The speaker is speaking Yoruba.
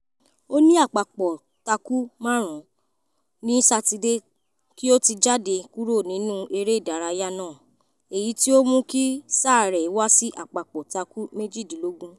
ó ní àpapọ̀ tákù marùn ún ní Sátidé kí ó tí jáde kúrò nínú eré ìdárayá náà, èyí tí ó mú kí sáà rẹ̀ wá sí àpapọ̀ táku 18.